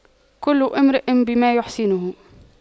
كل امرئ بما يحسنه